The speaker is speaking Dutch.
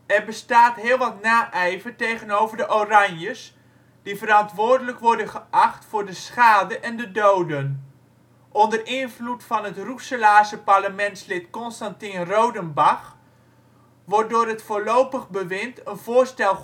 Er bestaat heel wat na-ijver tegenover de Oranjes, die verantwoordelijk worden geacht voor de schade en de doden. Onder invloed van het Roeselaarse parlementslid Constantin Rodenbach wordt door het Voorlopig Bewind een voorstel